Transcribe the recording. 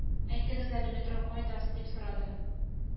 Әйтегез әле метро кайда дип сорады